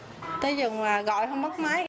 tới chừng là gọi không bắt máy